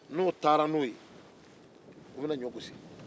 n'o taara n'o ye o bɛna ɲɔ gosi